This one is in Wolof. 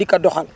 di ko doxal